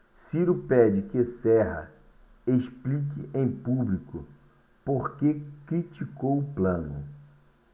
ciro pede que serra explique em público por que criticou plano